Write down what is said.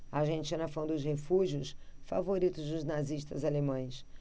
a argentina foi um dos refúgios favoritos dos nazistas alemães